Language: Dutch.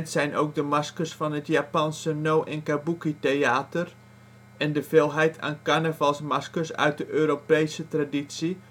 zijn ook de maskers van het Japanse no en kabuki theater, en de veelheid aan carnavalsmaskers uit de Europese traditie